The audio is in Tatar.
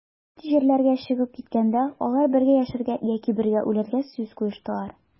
Чит җирләргә чыгып киткәндә, алар бергә яшәргә яки бергә үләргә сүз куештылар.